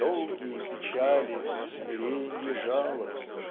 долгие печали, смиренье жалоб".